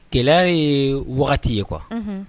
Gɛlɛyaya ye wagati ye kuwa